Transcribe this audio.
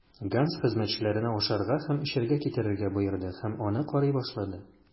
Ганс хезмәтчеләренә ашарга һәм эчәргә китерергә боерды һәм аны карый башлады.